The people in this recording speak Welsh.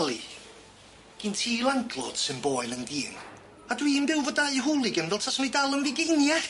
Oli, gin ti landlord sy'n boen yn dîn a dwi'n byw efo dau hooligan fel taswn i dal yn f'ugeinia.